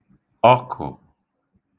ọkụ̀